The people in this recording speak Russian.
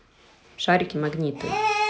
шарики магниты